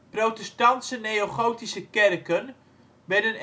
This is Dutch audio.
Protestantse neogotische kerken werden